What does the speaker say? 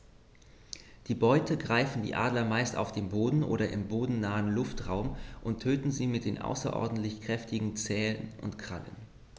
Die Beute greifen die Adler meist auf dem Boden oder im bodennahen Luftraum und töten sie mit den außerordentlich kräftigen Zehen und Krallen.